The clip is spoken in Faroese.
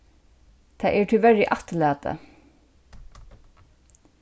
tað er tíverri afturlatið